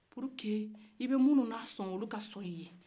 walasa i bɛ kuma minu fɛ o lu ka son i ye